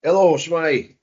Helo shwmae?